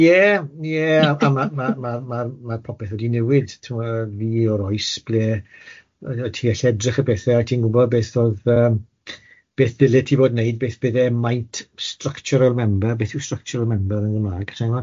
Ie ie a ma- ma- ma- ma- ma' popeth wedi newid ti'mod fi o'r oes ble o' ti'n gallu edrych ar pethe a ti'n gwbod beth o'dd yym beth dylia ti fod neud, beth byddai maint structural member, beth yw structural member yn Gymraeg sai'm 'bo?